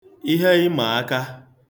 ihe ịmaaka